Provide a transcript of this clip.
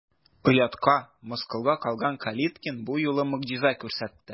Оятка, мыскылга калган Калиткин бу юлы могҗиза күрсәтте.